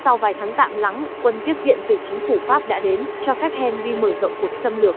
sau vài tháng tạm lắng quân tiếp viện từ chính phủ pháp đã đến cho phép henri mở rộng cuộc xâm lược